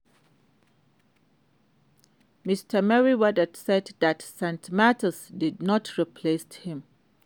Mr. Merriweather said that St. Martin's did not replace him.